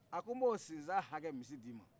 a ko n b'o sizan hakɛ misi d'i ma